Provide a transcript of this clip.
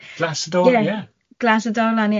Glas y Do-... Ie... Ie... Glas y Dorlan, ie.